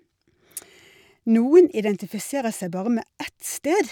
Noen identifiserer seg bare med ett sted.